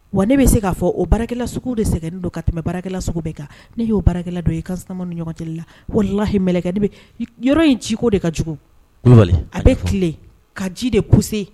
Wa ne bɛ se k'a fɔ o barakɛla sugu de sɛgɛnnen don ka tɛmɛ barakɛlala bɛɛ kan ne y'o baarakɛla dɔ ye i ka ni ɲɔgɔn la walalahi mkɛ yɔrɔ in ci ko de ka jugu a bɛ tile ka ji dese